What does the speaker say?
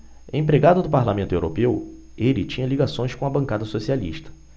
empregado do parlamento europeu ele tinha ligações com a bancada socialista